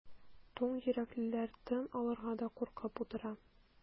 Туң йөрәклеләр тын алырга да куркып утыра.